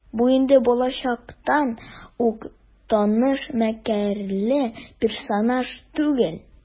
Бу инде балачактан ук таныш мәкерле персонаж түгел.